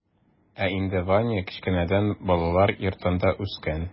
Ә инде ваня кечкенәдән балалар йортында үскән.